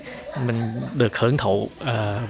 mình được hưởng thụ và